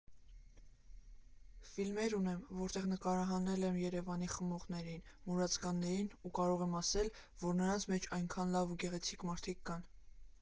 Ֆիլմեր ունեմ, որտեղ նկարահանել եմ Երևանի խմողներին, մուրացկաններին ու կարող եմ ասել, նրանց մեջ այնքան լավ ու գեղեցիկ մարդիկ կան։